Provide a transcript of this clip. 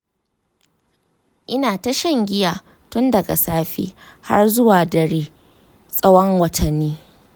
ina ta shan giya tun daga safe har zuwa dare tsawon watanni.